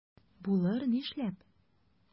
Булыр, нишләп?